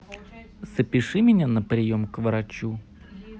запиши меня на прием к врачу